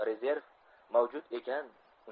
rezerv mavjud ekan